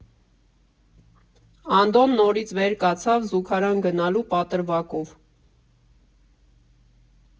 Անդոն նորից վեր կացավ՝ զուգարան գնալու պատրվակով։